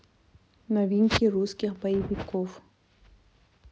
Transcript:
новинки русских боевиков